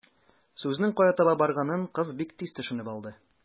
Сүзнең кая таба барганын кыз бик тиз төшенеп алды.